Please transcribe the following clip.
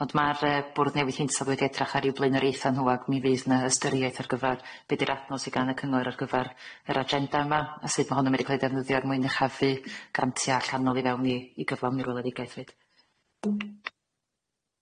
Ond ma'r yy bwrdd Newydd Hinsawdd wedi edrach ar ryw blaenoriaetha' nhw ag mi fydd na ystyriaeth ar gyfar be' di'r adnodd sy gan y cyngor ar gyfar yr agenda yma a sud ma' honno'n mynd i ca'l ei defnyddio er mwyn uchafu grantia allanol i fewn i i gyflawn i'r weledigaeth fyd.